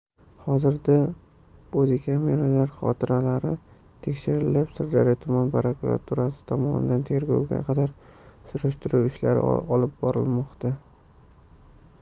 hozirda bodikameralar xotiralari tekshirilib sirdaryo tuman prokuraturasi tomonidan tergovga qadar surishtiruv ishlari olib borilmoqda